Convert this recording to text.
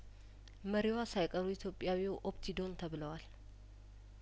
መሪዋ ሳይቀሩ ኢትዮጵያዊው ኦፕቲዶን ተብለዋል